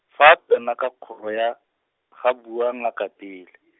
fa tsena ka kgoro ya, ga bua ngaka pele .